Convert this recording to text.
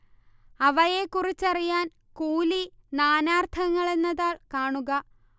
അവയെക്കുറിച്ചറിയാൻ കൂലി നാനാർത്ഥങ്ങൾ എന്ന താൾ കാണുക